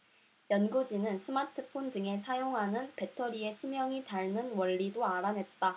연구진은 스마트폰 등에 사용하는 배터리의 수명이 닳는 원리도 알아냈다